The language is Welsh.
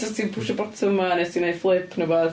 Os ti'n pwsio botwm yma neu os ti'n wneud fflip neu rywbath.